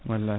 wallahi